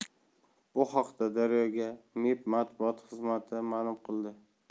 bu haqda daryo ga mib matbuot xizmati ma'lum qildi